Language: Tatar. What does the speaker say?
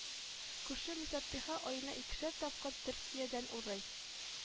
Күрше мөсәппиха аена икешәр тапкыр төркиядән урый